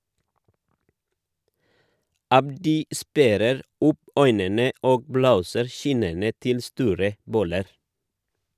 Abdi sperrer opp øynene og blåser kinnene til store boller.